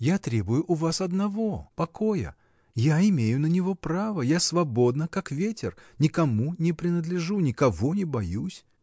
Я требую у вас одного — покоя: я имею на него право, я свободна как ветер, никому не принадлежу, никого не боюсь.